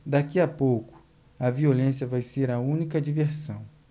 daqui a pouco a violência vai ser a única diversão